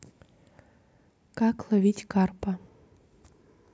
как ловить карпа